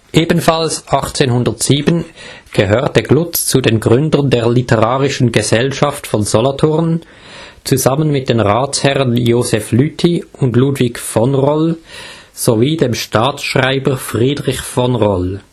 Ebenfalls 1807 gehörte Glutz zu den Gründern der „ Literarischen Gesellschaft “von Solothurn, zusammen mit den Ratsherren Joseph Lüthy und Ludwig von Roll sowie dem Staatsschreiber Friedrich von Roll